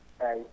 eeyi